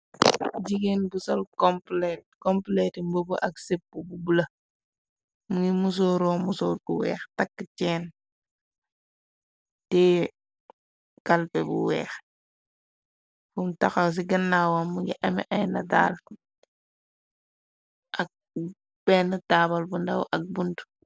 Jigéen bu sal kompleti mbob ak sépp bu bula. Mu ngi musoro musortu weex takk ceen t kalpe bu weex. Fum taxaw ci gennawam mu ngi ame ay nadaal. Ak benn taabal bu ndaw ak bunt.